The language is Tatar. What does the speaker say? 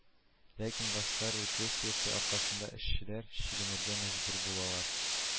Ләкин властьлар репрессиясе аркасында эшчеләр чигенергә мәҗбүр булалар